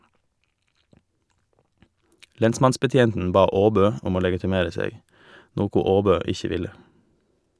Lensmannsbetjenten bad Åbø om å legitimera seg , noko Åbø ikkje ville.